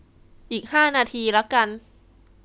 อีกห้านาทีละกัน